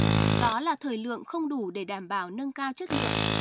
đó là thời lượng không đủ để đảm bảo nâng cao chất lượng